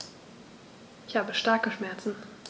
Ich habe starke Schmerzen.